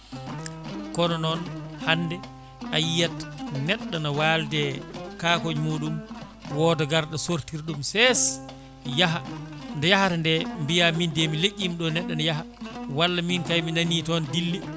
kono noon hande ayiyat neɗɗo ne walde kakoñ muɗum wooda garɗo sortira ɗum seesa yaaha nde yahata nde mbiya min de mi leƴƴima ɗo neɗɗo ne yaaha walla min kayi mi nani toona dille